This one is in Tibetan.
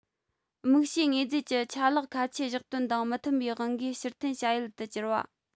དམིགས བྱའི དངོས རྫས ཀྱི ཆ ལག ཁ ཆད བཞག དོན དང མི མཐུན པའི དབང གིས ཕྱིར འཐེན བྱ ཡུལ དུ གྱུར བ